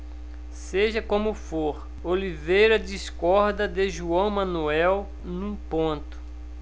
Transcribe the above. seja como for oliveira discorda de joão manuel num ponto